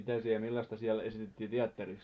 mitä siellä millaista siellä esitettiin teatterissa